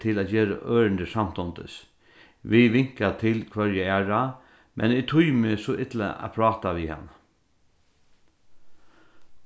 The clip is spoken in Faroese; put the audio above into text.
til at gera ørindir vit vinka til hvørja aðra men eg tími so illa at práta við hana